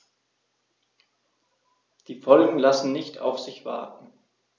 Die Folgen lassen nicht auf sich warten.